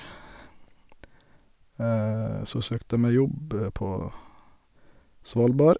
Så søkte jeg meg jobb på Svalbard.